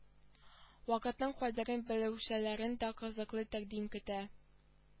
Вакытның кадерен белүчеләрне дә кызыклы тәкъдим көтә